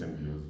Symbiose